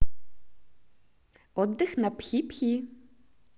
отдых на пхипхи